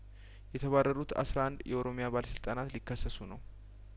የተባረሩት አስራ አንድ የኦሮሚያባለስልጣናት ሊከሰሱ ነው